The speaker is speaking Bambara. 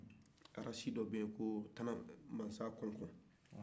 arasi dɔ bɛ ye ko tana masa kɔmɔgɔw